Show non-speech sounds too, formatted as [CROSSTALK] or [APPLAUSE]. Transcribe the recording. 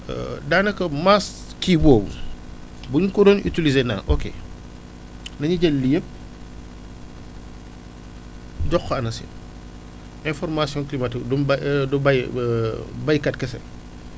[HESITATION] daanaka masse kii boobu bu ñu ko doon utiliser naan ok nañu jël lii yëpp jox ko ANACIM information climatique du ma ba [HESITATION] du bàyyi [HESITATION] béykat kese